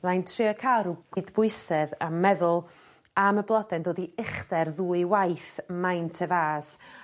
byddai'n trio ca'l rw gydbwysedd a meddwl am y blode'n dod i uchder ddwywaith maent y fas.